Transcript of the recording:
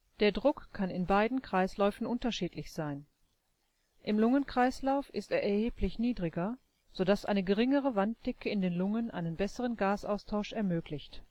Der Druck kann in beiden Kreisläufen unterschiedlich sein. Im Lungenkreislauf ist er erheblich niedriger, so dass eine geringere Wanddicke in den Lungen einen besseren Gasaustausch ermöglicht